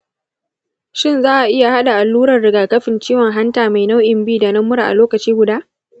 shin za a iya haɗa allurar rigakafin ciwon hanta mai nau’in b da na mura a lokaci guda?